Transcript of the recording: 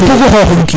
o pugu xoxum